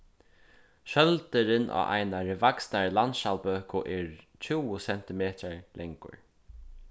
skjøldurin á einari vaksnari landskjaldbøku er tjúgu sentimetrar langur